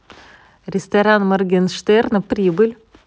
ресторан моргенштерна прибыль